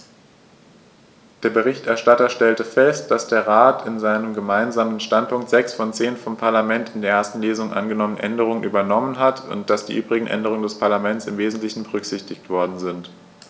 Der Berichterstatter stellte fest, dass der Rat in seinem Gemeinsamen Standpunkt sechs der zehn vom Parlament in der ersten Lesung angenommenen Änderungen übernommen hat und dass die übrigen Änderungen des Parlaments im wesentlichen berücksichtigt worden sind.